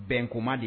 Bɛnko de ye